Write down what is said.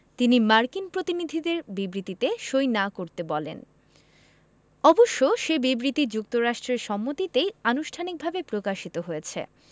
তিনি মার্কিন প্রতিনিধিদের বিবৃতিতে সই না করতে বলেন অবশ্য সে বিবৃতি যুক্তরাষ্ট্রের সম্মতিতেই আনুষ্ঠানিকভাবে প্রকাশিত হয়েছে